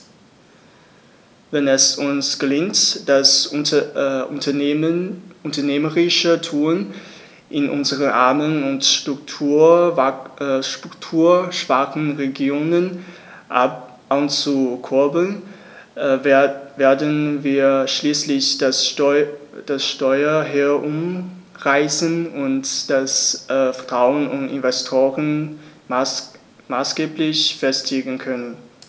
Wenn es uns gelingt, das unternehmerische Tun in unseren armen und strukturschwachen Regionen anzukurbeln, werden wir schließlich das Steuer herumreißen und das Vertrauen von Investoren maßgeblich festigen können.